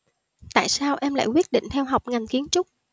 tại sao em lại quyết định theo học ngành kiến trúc